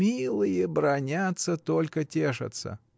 — Милые бранятся — только тешатся!